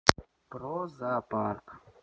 про зоопарк